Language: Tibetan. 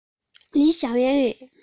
ལིའི ཞའོ ཡན རེད